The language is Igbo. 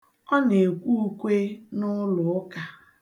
Ọ na-ekwe ukwe n'ụlụụka.